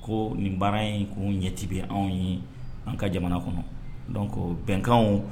Ko nin baara in ko ɲɛtigibi anw ye an ka jamana kɔnɔ dɔn ko bɛnkan